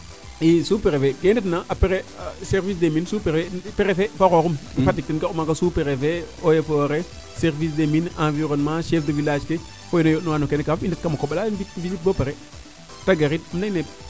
i sous prefet yee i ndetna apres service des mines prefet fa xooxum Fatick ten gar u maaga sous prefet eaux et foret service des mines environnement chef de village ke fo wee na yoɗ nuwa no kene fop i ndetf kama koɓala visite boo pare te gariid im leynee